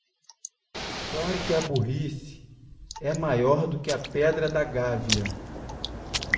claro que a burrice é maior do que a pedra da gávea